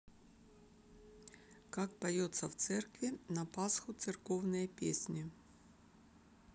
как поется в церкви на пасху церковные песни